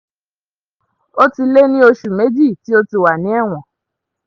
Ó ti lé ní oṣù méjì tí ó ti wà ní ẹ̀wọ̀n.